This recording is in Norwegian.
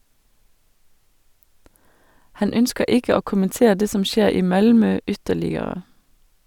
Han ønsker ikke å kommentere det som skjer i Malmö ytterligere.